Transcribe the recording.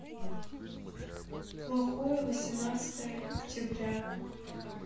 плохое восемнадцатое октября